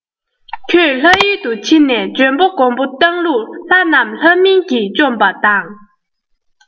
ཁྱོད ལྷ ཡུལ དུ ཕྱིན ནས འཇོན པོ རྒོས པོ བཏང ལུགས ལྷ རྣམས ལྷ མིན གྱིས བཅོམ པ དང